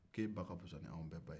k'e ba ka fisa n'anw bɛɛ ba ye